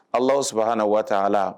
Alaahu subuhanahu wataala